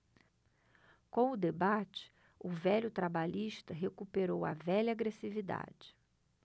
com o debate o velho trabalhista recuperou a velha agressividade